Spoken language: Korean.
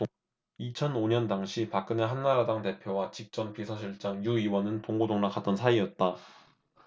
이천 오 년 당시 박근혜 한나라당 대표와 직전 비서실장 유 의원은 동고동락하던 사이었다